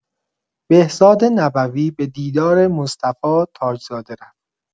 بهزاد نبوی به دیدار مصطفی تاج‌زاده رفت